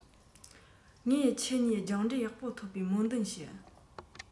ངས ཁྱེད གཉིས ལ སྦྱངས འབྲས ཡག པོ ཐོབ པའི སྨོན འདུན ཞུ